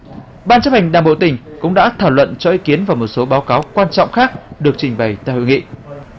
ban chấp hành đảng bộ tỉnh cũng đã thảo luận cho ý kiến và một số báo cáo quan trọng khác được trình bày tại hội nghị